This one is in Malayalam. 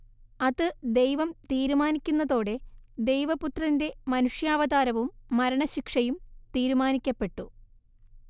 അത് ദൈവം തീരുമാനിക്കുന്നതോടെ ദൈവപുത്രന്റെ മനുഷ്യാവതാരവും മരണശിക്ഷയും തീരുമാനിക്കപ്പെട്ടു